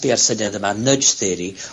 ...bia'r syniad yma, Nudge Theory,